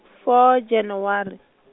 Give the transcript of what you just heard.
four Janaware.